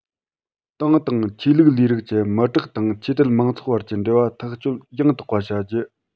ཏང དང ཆོས ལུགས ལས རིགས ཀྱི མི དྲག དང ཆོས དད མང ཚོགས བར གྱི འབྲེལ བ ཐག གཅོད ཡང དག པ བྱ རྒྱུ